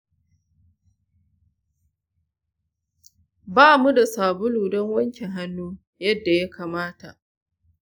ba mu da sabulu don wanke hannu yadda ya kamata.